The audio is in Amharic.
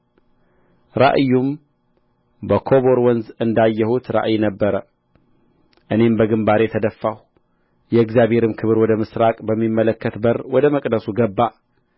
ራእዩም በኮበር ወንዝ እንዳየሁት ራእይ ነበረ እኔም በግምባሬ ተደፋሁ የእግዚአብሔርም ክብር ወደ ምሥራቅ በሚመለከት በር ወደ መቅደሱ ገባ